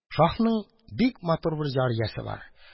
Шаһның бик матур бер җариясе бар.